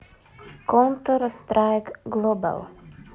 counter strike global